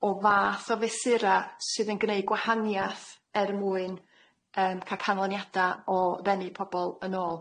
o fath o fesura sydd yn gneud gwahanath er mwyn yym ca'l canlyniada o ddenu pobol yn ôl.